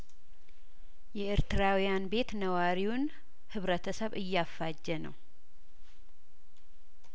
የኤርትራውያን ቤት ነዋሪውን ህብረተሰብ እያፋጀ ነው